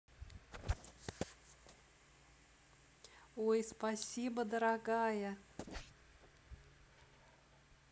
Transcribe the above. ой спасибо дорогая